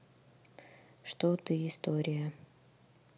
что ты история